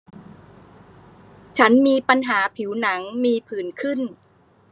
ฉันมีปัญหาผิวหนังมีผื่นขึ้น